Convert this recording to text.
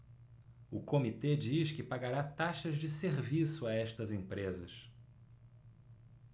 o comitê diz que pagará taxas de serviço a estas empresas